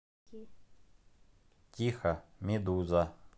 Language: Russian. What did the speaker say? тихо медуза